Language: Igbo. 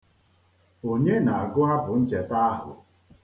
Onye na-agụ abụ ncheta ahụ?